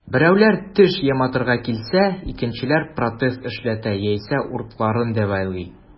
Берәүләр теш яматырга килсә, икенчеләр протез эшләтә яисә уртларын дәвалый.